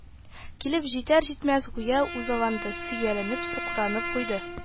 Килеп җитәр-җитмәс, гүя үзалдына сөйләнеп-сукранып куйды: